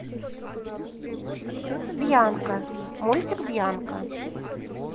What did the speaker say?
бьянка мультик бьянка